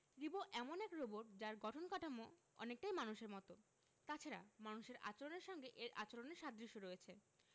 রিবো এমন এক রোবট যার গঠন কাঠামো অনেকটাই মানুষের মতো তাছাড়া মানুষের আচরণের সঙ্গে এর আচরণের সাদৃশ্য রয়েছে